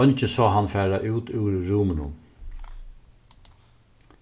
eingin sá hann fara út úr rúminum